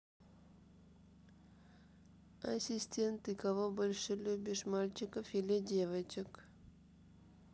ассистент ты кого больше любишь мальчиков или девочек